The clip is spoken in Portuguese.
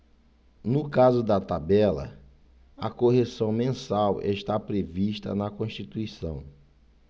no caso da tabela a correção mensal está prevista na constituição